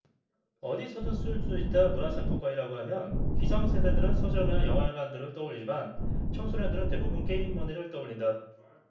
어디서든 쓸 수 있다문화상품권이라고 하면 기성세대들은 서점이나 영화관 등을 떠올리지만 청소년들은 대부분 게임머니를 떠올린다